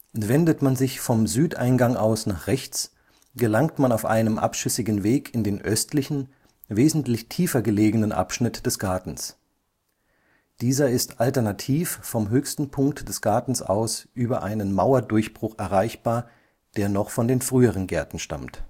Wendet man sich vom Südeingang aus nach rechts, gelangt man auf einem abschüssigen Weg in den östlichen, wesentlich tiefer gelegenen Abschnitt des Gartens. Dieser ist alternativ vom höchsten Punkt des Gartens aus über einen Mauerdurchbruch erreichbar, der noch von den früheren Gärten stammt